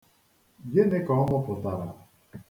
Gịnị ka ọ mụpụtara?